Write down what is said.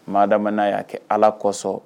Mada n'a y'a kɛ ala kosɔn